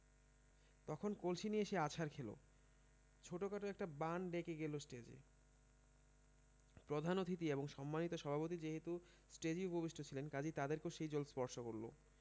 তখন কনসি নিয়ে সে আছাড় খেলো ছোটখাট একটা বান ডেকে গেল স্টেজে প্রধান অতিথি এবং সম্মানিত সভাপতি যেহেতু ষ্টেজেই উপবিষ্ট ছিলেন কাজেই তাদেরকেও সেই জল স্পর্শ করল